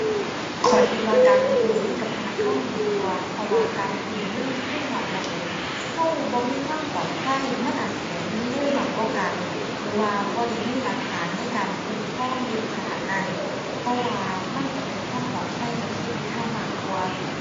ข้อยคิดว่าการกู้เงินกับธนาคารดีกว่า เพราะว่าการกู้เงินทุนนอกระบบ เราบ่มีความปลอดภัย มันอาจสิได้เงินเร็วมากกว่ากัน หรือว่าบ่ได้มีหลักฐานในการคุ้มครองเยอะขนาดนั้น แต่ว่ามันเราเป็นความปลอดภัยกับชีวิตเรามากกว่า